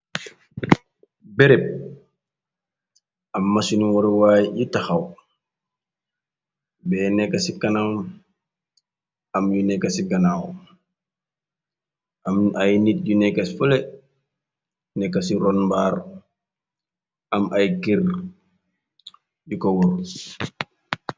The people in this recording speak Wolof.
Bereb am masinu waruwaay yu taxaw bee nekk ci kanaw am yu nekk ci ganaaw am ay nit yu nekkci fole nekka ci ron mbaar am ay kerr yu ko wur.